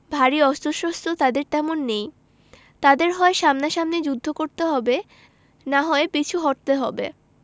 ভারী অস্ত্রশস্ত্র তাঁদের তেমন নেই তাঁদের হয় সামনাসামনি যুদ্ধ করতে হবে না হয় পিছু হটতে হবে